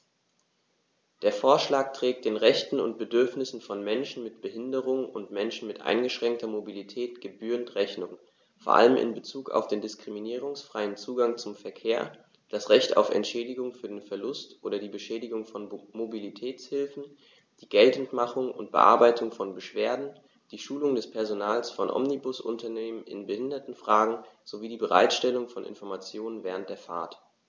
Der Vorschlag trägt den Rechten und Bedürfnissen von Menschen mit Behinderung und Menschen mit eingeschränkter Mobilität gebührend Rechnung, vor allem in Bezug auf den diskriminierungsfreien Zugang zum Verkehr, das Recht auf Entschädigung für den Verlust oder die Beschädigung von Mobilitätshilfen, die Geltendmachung und Bearbeitung von Beschwerden, die Schulung des Personals von Omnibusunternehmen in Behindertenfragen sowie die Bereitstellung von Informationen während der Fahrt.